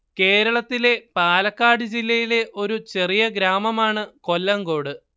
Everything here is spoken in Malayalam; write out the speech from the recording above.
കേരളത്തിലെ പാലക്കാട് ജില്ലയിലെ ഒരു ചെറിയ ഗ്രാമമാണ് കൊല്ലങ്കോട്